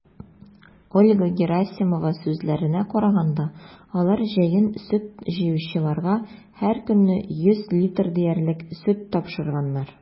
Ольга Герасимова сүзләренә караганда, алар җәен сөт җыючыларга һәркөнне 100 литр диярлек сөт тапшырганнар.